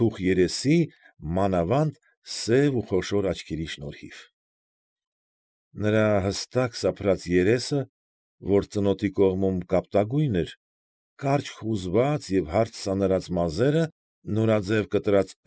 Թուխ երեսի, մանավանդ սև ու խոշոր աչքերի շնորհիվ, նրա հստակ սափրած երեսը, որ ծնոտի կողմում կապտագույն էր, կարճ խուզված և հարթ սանրած մազերը, նորաձև կտրած։